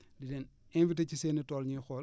di leen invité ci seen i tool ñuy xool